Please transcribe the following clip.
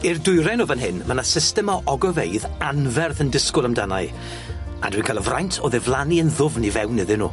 I'r dwyrain o fan hyn, ma' 'na system o ogofeydd anferth yn disgwl amdana i a dwi'n ca'l y fraint o ddiflannu yn ddwfn i fewn iddyn nw.